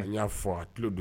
A y'a fɔ a tulo don